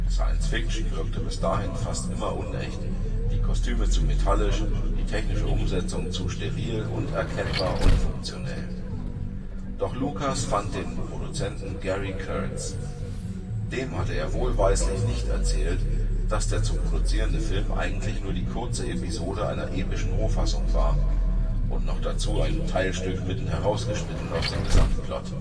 Science-Fiction wirkte bis dahin fast immer unecht, die Kostüme zu metallisch, die technische Umgebung zu steril und erkennbar unfunktionell. Doch Lucas fand den Produzenten Gary Kurtz. Dem hatte er wohlweislich nicht erzählt, dass der zu produzierende Film eigentlich nur die kurze Episode einer epischen Rohfassung war – und noch dazu ein Teilstück mitten herausgeschnitten aus dem Gesamtplot